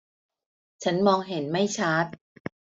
ฉันมองเห็นไม่ชัด